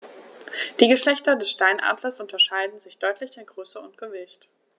Die Geschlechter des Steinadlers unterscheiden sich deutlich in Größe und Gewicht.